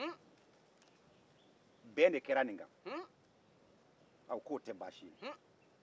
bɛn de kɛra nin kan